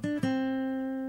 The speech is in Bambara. Sa